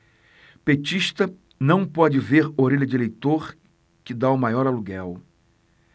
petista não pode ver orelha de eleitor que tá o maior aluguel